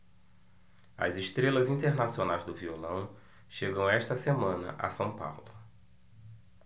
as estrelas internacionais do violão chegam esta semana a são paulo